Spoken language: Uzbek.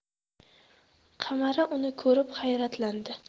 qamara uni ko'rib hayratlandi